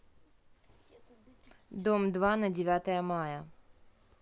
дом два на девятое мая